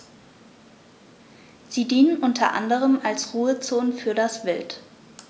Sie dienen unter anderem als Ruhezonen für das Wild.